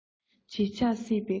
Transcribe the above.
བརྗིད ཆགས སྲིད པའི གངས རི